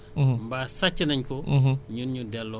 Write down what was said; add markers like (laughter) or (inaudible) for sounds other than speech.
te (hesitation) état bi fayal la huit mille nga fay huit mille